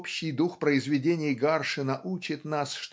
общий дух произведений Гаршина учит нас